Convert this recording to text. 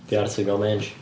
'Di arth yn cael mange?